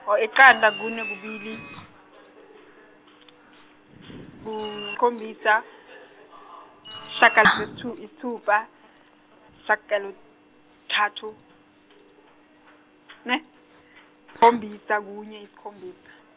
iqanda, oh iqanda kune kubili ku- sikhombisa , shagalos- isithu- isithupha isihlanu isishagalobili- isishagalothathu- ne- -khombisa kunye isikhombisa.